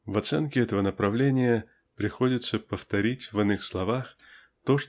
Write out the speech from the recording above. В оценке этого направления приходится повторить в иных словах то